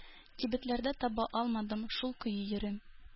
Кибетләрдә таба алмадым, шул көе йөрим.